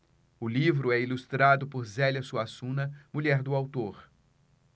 o livro é ilustrado por zélia suassuna mulher do autor